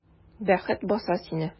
Бәхет баса сине!